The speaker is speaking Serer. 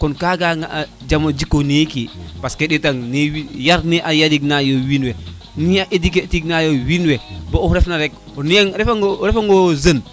kon kaga jamano ne ɗiki parce que ɗetan wiin yar ne a yarit nayo wiin we ne de eduquer tin da wiin we bo oxu ref na rek o refa nga refa nga o jeune